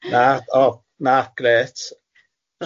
Na o na grêt.